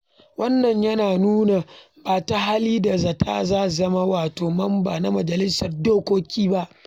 Wannan yana nuna ba ta hali da za ta zama wata Mamba ta Majalisar Dokoki ba.